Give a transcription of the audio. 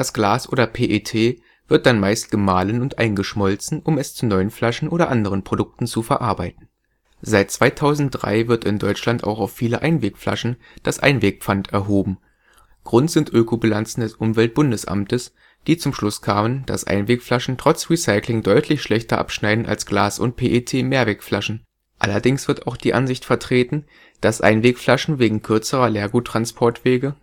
Glas oder PET wird dann meist gemahlen und eingeschmolzen, um es zu neuen Flaschen oder anderen Produkten zu verarbeiten. Seit 2003 wird in Deutschland auch auf viele Einwegflaschen das Einwegpfand erhoben. Grund sind Ökobilanzen des Umweltbundesamtes, die zum Schluss kamen, dass Einwegflaschen trotz Recycling deutlich schlechter abschneiden als Glas - und PET-Mehrwegflaschen; allerdings wird auch die Ansicht vertreten, dass Einwegflaschen wegen kürzerer Leerguttransportwege